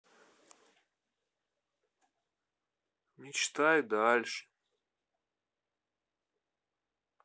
мечтай дальше